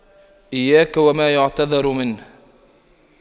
إياك وما يعتذر منه